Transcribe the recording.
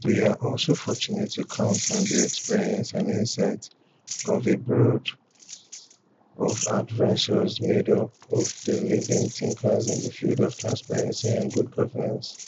We are also fortunate to count on the experience and insight of a board of advisors made up of the leading thinkers in the field of transparency and good governance.